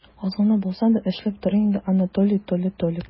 Аз гына булса да эшләп тор инде, Анатолий, Толя, Толик!